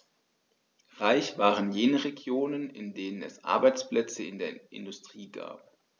Reich waren jene Regionen, in denen es Arbeitsplätze in der Industrie gab.